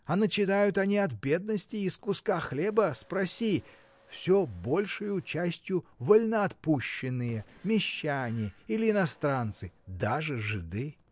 А начинают они от бедности, из куска хлеба — спроси: всё большею частью вольноотпущенные, мещане или иностранцы, даже жиды.